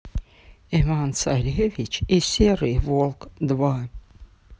иван царевич и серый волк два